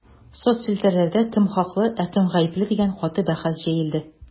Соцчелтәрләрдә кем хаклы, ә кем гапле дигән каты бәхәс җәелде.